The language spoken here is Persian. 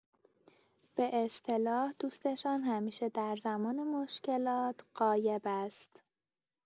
به‌اصطلاح دوستشان همیشه در زمان مشکلات غایب است.